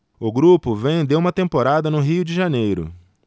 o grupo vem de uma temporada no rio de janeiro